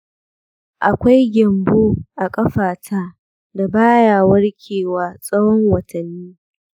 akwai gyambo a kafata da baya warkewa tsawon watanni.